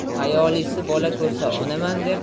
hayolisi bola ko'rsa onaman der